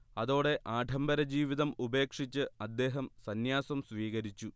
അതോടെ ആഢംബരജീവിതം ഉപേക്ഷിച്ച് അദ്ദേഹം സന്യാസം സ്വീകരിച്ചു